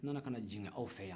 n nan ka na jigin aw fɛ yan